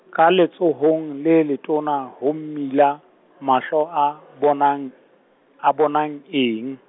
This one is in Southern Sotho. ka letsohong le le tona ho mmila, mahlo a, bonang, a bonang eng?